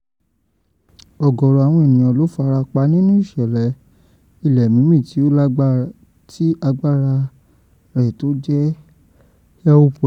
Ọ̀gọ̀ọ̀rọ̀ àwọn ènìyàn ló farapa nínú ìṣẹ̀lẹ̀ ilẹ̀ mímì tí agbára rẹ̀ tó 7.6